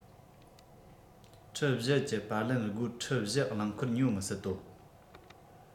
ཁྲི ༤ ཀྱི པར ལེན སྒོར ཁྲི ༤ རླངས འཁོར ཉོ མི སྲིད དོ